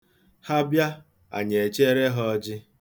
Ha bịa, anyị echeere ha ọjị.